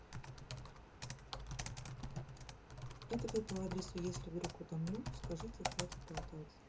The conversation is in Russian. это вы по адресу если вдруг утомлю скажите хватит болтать